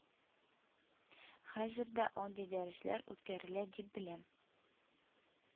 Хәзер дә андый дәресләр үткәрелә дип беләм